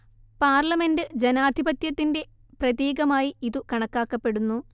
parliament ജനാധിപത്യത്തിന്റെ പ്രതീകമായി ഇതു കണക്കാക്കപ്പെടുന്നു